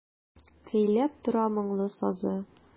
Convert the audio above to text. Көйләп тора моңлы сазы.